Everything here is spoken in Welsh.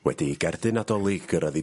wedi i gerdyn Nadolig gyrraedd i...